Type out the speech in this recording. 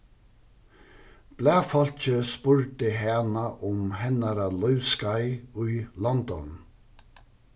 blaðfólkið spurdi hana um hennara lívsskeið í london